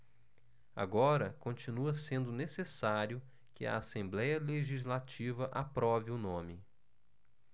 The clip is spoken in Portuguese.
agora continua sendo necessário que a assembléia legislativa aprove o nome